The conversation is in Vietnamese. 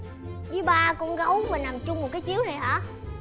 với ba con gấu mà nằm chung một cái chiếu này hả